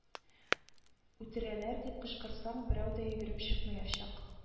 Үтерәләр дип кычкырсаң берәү дә йөгереп чыкмаячак